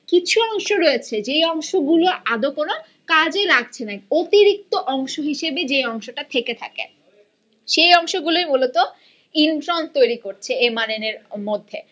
কিছু অংশ রয়েছে যে অংশগুলো আদৌ কোন কাজে লাগছে না অতিরিক্ত অংশ হিসেবে যে অংশটা টা থেকে থাকে সে অংশগুলো মূলত ইন্ট্রন তৈরি করছে এম আর এর মধ্যে